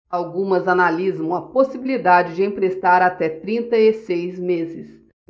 algumas analisam a possibilidade de emprestar até trinta e seis meses